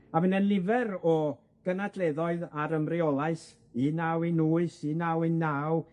A fu 'ne nifer o gynadleddoedd ar ymreolaeth un naw un wyth, un naw un naw,